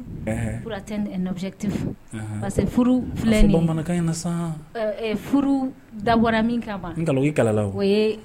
Pour atteindre un objectif . Parceque furu dabɔla min kama, o ye